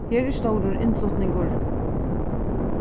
her er stórur innflutningur